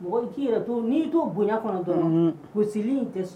Mɔgɔ'i yɛrɛ to n'i don bonya kɔnɔ dɔn ko sigilen tɛ